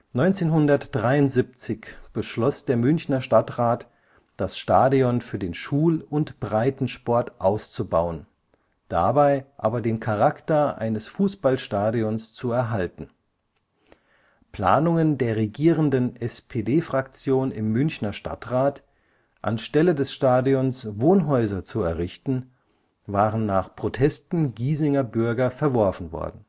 1973 beschloss der Münchner Stadtrat, das Stadion für den Schul - und Breitensport auszubauen, dabei aber den Charakter eines Fußballstadions zu erhalten. Planungen der regierenden SPD-Fraktion im Münchner Stadtrat, anstelle des Stadions Wohnhäuser zu errichten, waren nach Protesten Giesinger Bürger verworfen worden